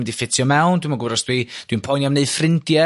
mynd i ffitio mewn dwi'n gwb'od os dwi... dwi'n poeni os dwi'n mynd i 'neud ffrindia'